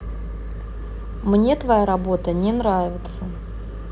мне твоя работа не нравится